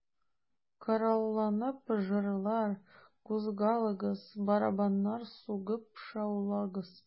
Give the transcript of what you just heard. Коралланып, җырлар, кузгалыгыз, Барабаннар сугып шаулагыз...